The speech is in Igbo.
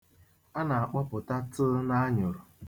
A na-akpọpụta /t/ n'anyụrụ.